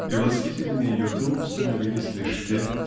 и властителями ее дум становились лишь те